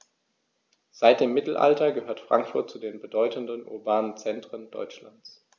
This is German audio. Seit dem Mittelalter gehört Frankfurt zu den bedeutenden urbanen Zentren Deutschlands.